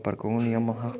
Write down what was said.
ko'ngli yomonni haq topar